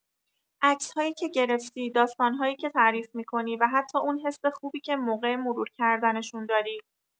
عکس‌هایی که گرفتی، داستان‌هایی که تعریف می‌کنی، و حتی اون حس خوبی که موقع مرور کردنشون داری.